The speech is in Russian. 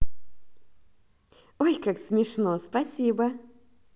ой как смешно спасибо